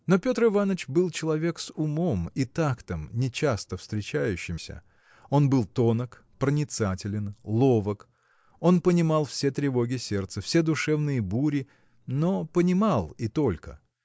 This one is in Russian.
Но Петр Иваныч был человек с умом и тактом, не часто встречающимися. Он был тонок, проницателен, ловок. Он понимал все тревоги сердца все душевные бури но понимал – и только.